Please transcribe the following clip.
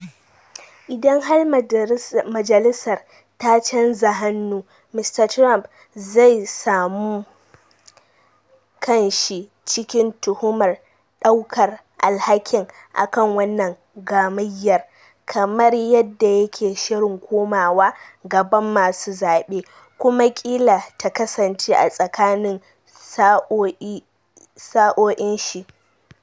idan har majilisar ta chanza hannu, Mr. Trump zai samu kanshi cikin tuhumar daukar alhakin a wannan gamayyar, kamar yadda yake shirin komawa gaban masu zabe, kuma kila ta kasance a tsakanin sa’oin shi.